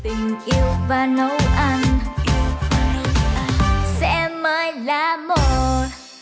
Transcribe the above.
tình yêu và nấu ăn sẽ mãi là một